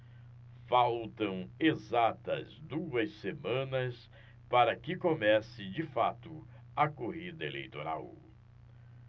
faltam exatas duas semanas para que comece de fato a corrida eleitoral